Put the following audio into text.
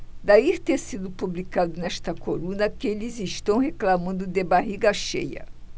daí ter sido publicado nesta coluna que eles reclamando de barriga cheia